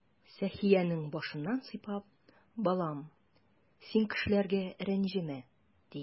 Сәхиянең башыннан сыйпап: "Балам, син кешеләргә рәнҗемә",— ди.